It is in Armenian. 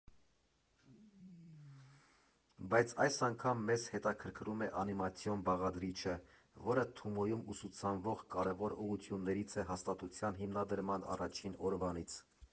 Բայց այս անգամ մեզ հետաքրքրում է անիմացիոն բաղադրիչը, որը Թումոյում ուսուցանվող կարևոր ուղղություններից է հաստատության հիմնադրման առաջին օրվանից։